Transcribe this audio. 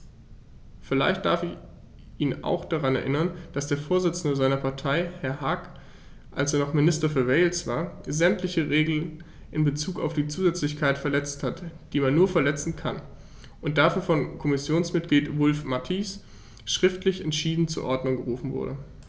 Vielleicht darf ich ihn auch daran erinnern, dass der Vorsitzende seiner Partei, Herr Hague, als er noch Minister für Wales war, sämtliche Regeln in Bezug auf die Zusätzlichkeit verletzt hat, die man nur verletzen kann, und dafür von Kommissionsmitglied Wulf-Mathies schriftlich entschieden zur Ordnung gerufen wurde.